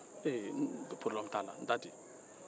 porobilɛmu t'a la n t'a di